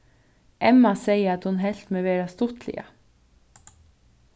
emma segði at hon helt meg vera stuttliga